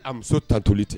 A muso ta toli tɛ